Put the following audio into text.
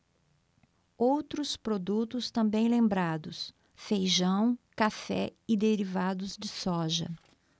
outros produtos também lembrados feijão café e derivados de soja